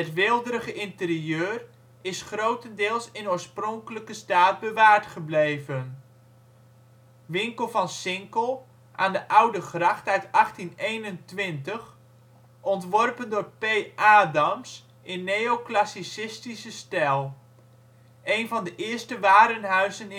weelderige interieur is grotendeels in oorspronkelijke staat bewaard gebleven. Winkel van Sinkel aan de Oudegracht uit 1821, ontworpen door P. Adams in neoclassicistische stijl. Een van de eerste warenhuizen